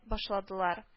Башладылар